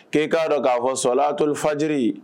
K'i k'a dɔn k'a fɔsɔlatolifajiri